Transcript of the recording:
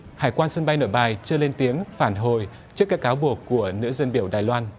hải quan sân bay nội bài chưa lên tiếng phản hồi trước các cáo buộc của nữ dân biểu đài loan